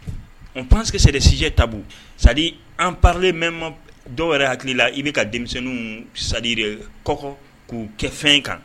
N panke sariya sjɛ ta an palen mɛn dɔw wɛrɛ hakili la i bɛ ka denmisɛnnin sa yɛrɛ kɔ k'u kɛ fɛn kan